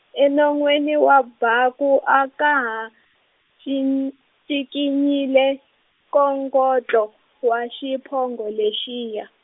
enonweni wa baku a ka ha ncin- ncikinyile, nkongotlo, wa xiphongo lexiya.